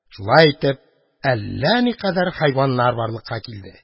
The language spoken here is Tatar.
Шулай итеп, әллә никадәр хайваннар барлыкка килде.